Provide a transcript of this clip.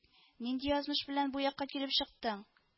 - нинди язмыш белән бу якка килеп чыктың